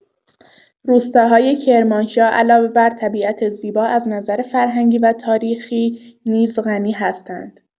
روستاهای کرمانشاه علاوه بر طبیعت زیبا، از نظر فرهنگی و تاریخی نیز غنی هستند.